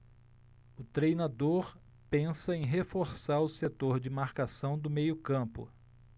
o treinador pensa em reforçar o setor de marcação do meio campo